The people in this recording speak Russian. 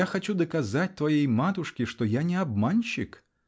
Я хочу доказать твоей матушке, что я не обманщик!